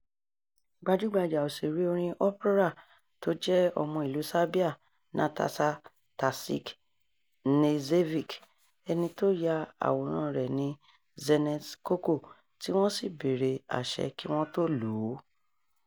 Gbajúgbajà òṣèré orin opera tó jẹ́ ọmọ ìlú Serbia Nataša Tasić Knežević, ẹni tó ya àwòrán rẹ̀ ni Dzenet Koko, tí wọ́n sì bèrè àṣẹ kí wọ́n tó lòó.